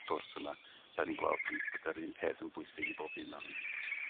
sgwrs yma fel o'n i'n gweld bo' n- bod yr un peth yn bwysig i bob un ohonon ni.